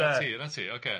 Na ti, na ti ocê.